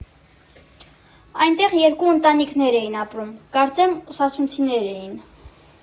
Այնտեղ երկու ընտանիք էին ապրում, կարծեմ՝ սասունցիներ էին։